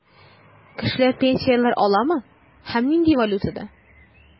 Кешеләр пенсияләр аламы һәм нинди валютада?